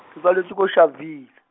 ke tswaletswe ko Sharpeville.